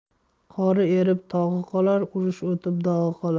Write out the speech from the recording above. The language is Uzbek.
qori erib tog'i qolar urush o'tib dog'i qolar